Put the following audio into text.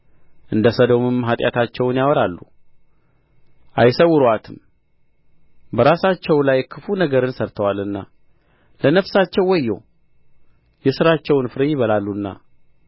እንደ ሰዶምም ኃጢአታቸውን ያወራሉ አይሠውሩአትም በራሳቸው ላይ ክፉ ነገርን ሠርተዋልና ለነፍሳቸው ወዮ የሥራቸውን ፍሬ ይበላሉና